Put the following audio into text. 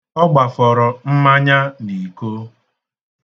Ọ gbafọro mmanya n'iko.